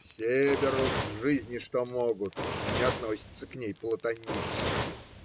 Все берут с жизни, что могут, а не относятся к ней платонически.